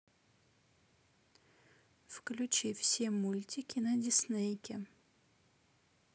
включи все мультики на диснейке